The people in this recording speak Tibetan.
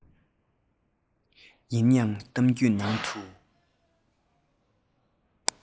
ཡིན ན ཡང གཏམ རྒྱུད ནང དུ